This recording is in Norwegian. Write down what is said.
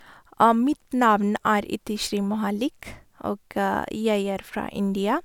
Mitt navn er Itishree Mohallick, og jeg er fra India.